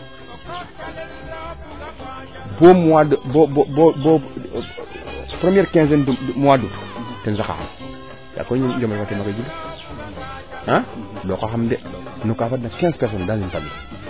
bo bo bo premier quinzieme de mois d' aout ten saqa xam ya koy jom refa tee ma xijil a ɗooka xam de no kaa fadna quinze personne